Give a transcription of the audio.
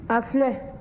a filɛ